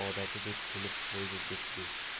odati deb kulib qo'ydi do'stbek